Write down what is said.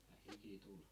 ja hiki tuli